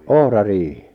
ohrariihi